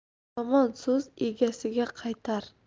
yomon so'z egasiga qaytar